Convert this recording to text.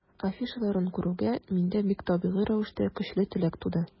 Афишаларын күрүгә, миндә бик табигый рәвештә көчле теләк туды.